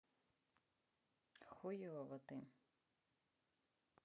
хуево ты